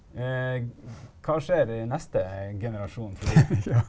hva skjer i neste generasjon for ?